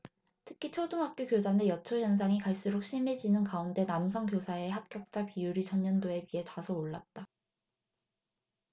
특히 초등학교 교단의 여초 현상이 갈수록 심해지는 가운데 남성 교사의 합격자 비율이 전년도에 비해 다소 올랐다